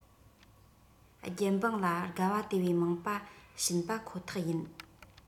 རྒྱལ འབངས ལ དགའ བ དེ བས མང བ བྱིན པ ཁོ ཐག ཡིན